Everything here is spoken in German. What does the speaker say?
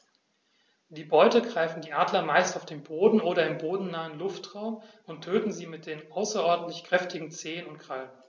Die Beute greifen die Adler meist auf dem Boden oder im bodennahen Luftraum und töten sie mit den außerordentlich kräftigen Zehen und Krallen.